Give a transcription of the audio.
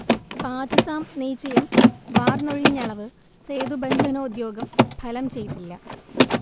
പാഥസാം നീചയം വാർന്നൊഴിഞ്ഞളവ് സേതുബന്ധനോദ്യോഗം ഫലം ചെയ്യില്ല